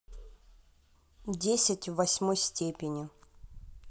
десять в восьмой степени